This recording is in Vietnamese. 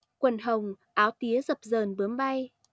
quần hồng áo tía rập rờn bướm bay